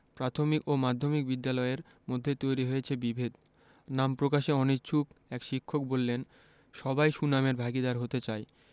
প্রাথমিক ও মাধ্যমিক বিদ্যালয়ের মধ্যে তৈরি হয়েছে বিভেদ নাম প্রকাশে অনিচ্ছুক এক শিক্ষক বললেন সবাই সুনামের ভাগীদার হতে চায়